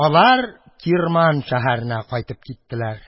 Алар Кирман шәһәренә кайтып киттеләр.